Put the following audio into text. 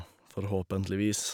Forhåpentligvis.